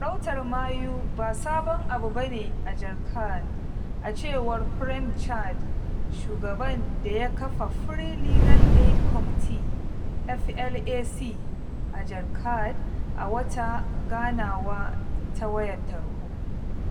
Farautar mayu ba sabon abu bane a Jharkhand a cewar Prem Chand, shugaban da ya kafa Free Legal Aid Committee (FLAC) a Jharkhand, a wata ganawa ta wayar tarho.